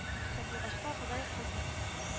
Сандугачка Ходай кызны